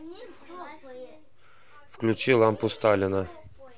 включи лампу сталина